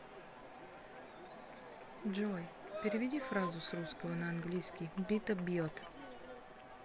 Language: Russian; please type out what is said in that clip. джой переведи фразу с русского на английский бита бьет